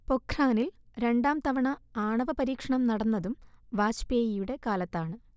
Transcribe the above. പൊഖ്റാനിൽ രണ്ടാംതവണ ആണവ പരീക്ഷണം നടന്നതും വാജ്പേയിയുടെ കാലത്താണ്